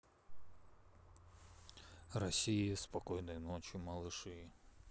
россия спокойной ночи малыши